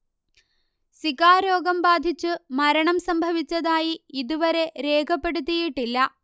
Zika രോഗം ബാധിച്ചു മരണം സംഭവിച്ചതായി ഇതുവരെ രേഖപ്പെടുത്തിയിട്ടില്ല